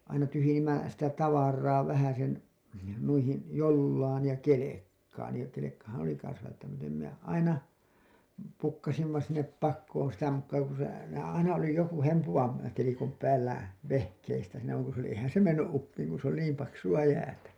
aina tyhjensimme sitä tavaraa vähäsen noihin jollaan ja kelkkaan ja kelkkahan oli kanssa välttämätön minä aina pukkasimme sinne pakoon sitä mukaa kun se se aina oli joku hempuvan telikon päällä vehkeistä siinä vaan kun se oli eihän se mennyt uppiin kun se oli niin paksua jäätä